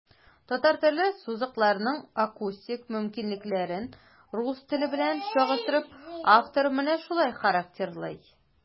Татар теле сузыкларының акустик мөмкинлекләрен, рус теле белән чагыштырып, автор менә шулай характерлый.